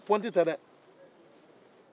pɔnti tɛ dɛ